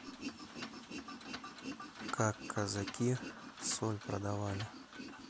как казаки соль продавали